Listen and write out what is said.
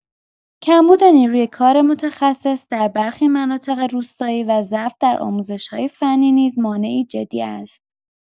کمبود نیروی کار متخصص در برخی مناطق روستایی و ضعف در آموزش‌های فنی نیز مانعی جدی است.